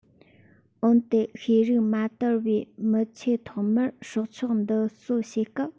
འོན ཏེ ཤེས རིག མ དར པའི མིས ཆེས ཐོག མར སྲོག ཆགས འདུལ གསོ བྱེད སྐབས